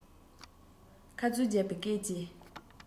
ཁ རྩོད བརྒྱབ པའི སྐད ཀྱིས